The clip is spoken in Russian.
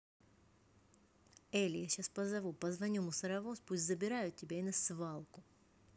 эль я сейчас позову позвоню мусоровоз пусть забирают тебя и на свалку